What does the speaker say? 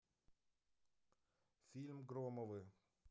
фильм громовы